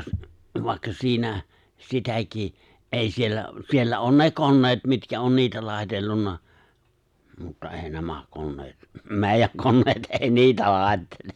- vaikka siinä sitäkin ei siellä siellä on ne koneet mitkä on niitä laitellut mutta ei nämä koneet meidän koneet ei niitä laittele